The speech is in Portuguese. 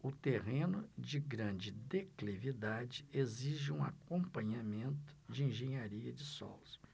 o terreno de grande declividade exige um acompanhamento de engenharia de solos